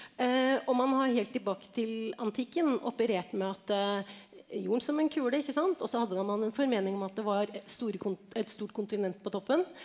og man har helt tilbake til antikken operert med at jorden som en kule ikke sant og så hadde man en formening om at det var store et stort kontinent på toppen.